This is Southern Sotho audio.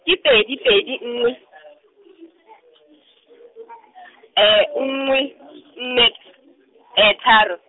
ke pedi pedi nngwe , nngwe nne, tharo.